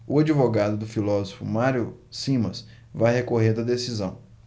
o advogado do filósofo mário simas vai recorrer da decisão